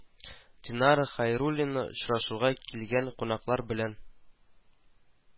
Динара Хәйруллина очрашуга килгән кунаклар белән